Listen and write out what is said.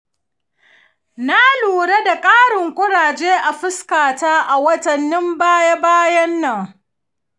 na lura da ƙarin kuraje a fuskata a watannin baya-bayan nan.